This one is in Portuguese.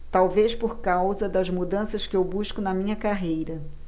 talvez por causa das mudanças que eu busco na minha carreira